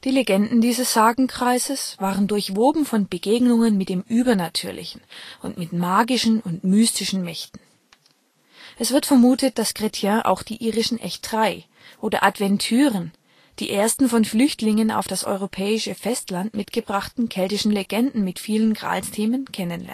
Legenden dieses Sagenkreises waren durchwoben von Begegnungen mit dem Übernatürlichen und mit magischen und mystischen Mächten. Es wird vermutet, dass Chrétien auch die irischen echtrai oder Adventüren, die ersten von Flüchtlingen auf das europäische Festland mitgebrachten keltischen Legenden mit vielen Gralsthemen, kennen